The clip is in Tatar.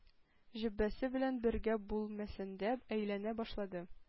Җөббәсе белән бергә бүлмәсендә әйләнә башлады.